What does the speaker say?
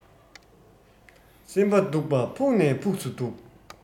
སེམས པ སྡུག པ ཕུགས ནས ཕུགས སུ སྡུག